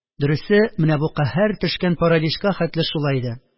Дөресе, менә бу каһәр төшкән параличка хәтле шулай иде